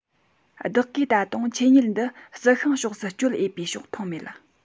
བདག གིས ད དུང ཆོས ཉིད འདི རྩི ཤིང ཕྱོགས སུ སྤྱོད འོས པའི ཕྱོགས མཐོང མེད